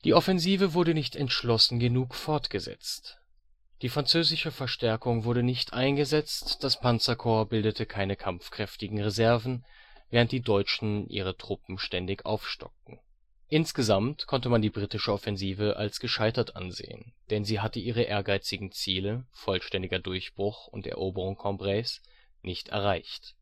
Offensive wurde nicht entschlossen genug fortgesetzt: Die französische Verstärkung wurde nicht eingesetzt, das Panzerkorps bildete keine kampfkräftigen Reserven, während die Deutschen ihre Truppen ständig aufstockten. Insgesamt konnte man die britische Offensive als gescheitert ansehen, denn sie hatte ihre ehrgeizigen Ziele (vollständiger Durchbruch und Eroberung Cambrais) nicht erreicht